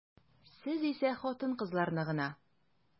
Сез исә хатын-кызларны гына.